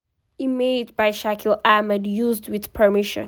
Image by Shakil Ahmed, used with permission.